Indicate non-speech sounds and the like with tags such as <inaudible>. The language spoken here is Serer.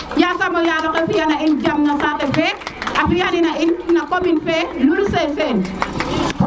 <applause> yasam o yalo xe fiya ne in jam no sate fe a fiya ne in no commune fe Lul Seseen